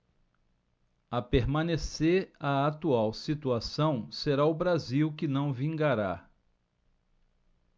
a permanecer a atual situação será o brasil que não vingará